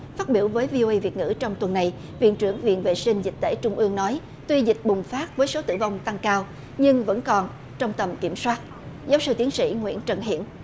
phát biểu với vi ô ây việt ngữ trong tuần này viện trưởng viện vệ sinh dịch tễ trung ương nói tuy dịch bùng phát với số tử vong tăng cao nhưng vẫn còn trong tầm kiểm soát giáo sư tiến sĩ nguyễn trần hiển